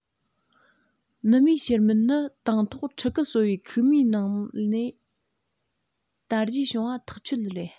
ནུ མའི གཤེར རྨེན ནི དང ཐོག ཕྲུ གུ གསོ བའི ཁུག མའི ནང ལས དར རྒྱས བྱུང བ ཐག ཆོད རེད